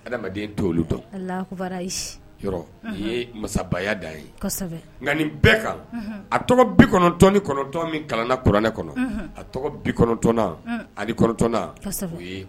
Adamaden t'o olu dɔn, alahu akibar ayi, yɔrɔ, ni ye masabaya da ye, kosɛbɛ, nka nin bɛɛ kan a tɔgɔ 99 min kalan na kuranɛ kɔnɔ, a tɔgɔ 99 na, o ye, kosɛbɛ.